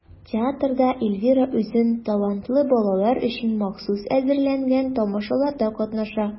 Театрда Эльвира үзен талантлы балалар өчен махсус әзерләнгән тамашаларда катнаша.